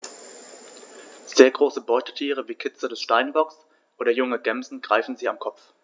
Sehr große Beutetiere wie Kitze des Steinbocks oder junge Gämsen greifen sie am Kopf.